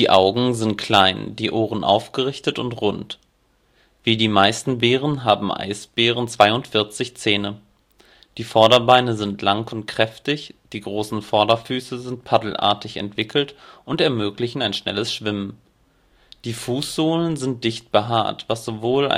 Augen sind klein, die Ohren aufgerichtet und rund. Wie die meisten Bären haben Eisbären 42 Zähne. Die Vorderbeine sind lang und kräftig, die großen Vorderfüße sind paddelartig entwickelt und ermöglichen ein schnelles Schwimmen. Die Fußsohlen sind dicht behaart, was sowohl